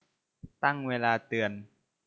ตั้งเวลาเตือน